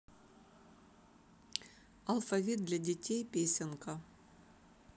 алфавит для детей песенка